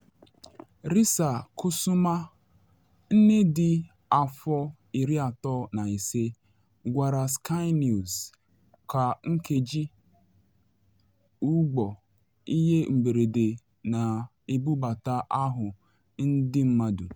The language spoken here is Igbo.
Risa Kusuma, nne dị afọ 35, gwara Sky News: “Kwa nkeji ụgbọ ihe mberede na ebubata ahụ ndị mmadụ.